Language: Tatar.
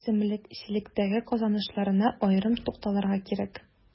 Үсемлекчелектәге казанышларына аерым тукталырга кирәк.